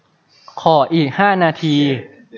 ขออีกห้านาที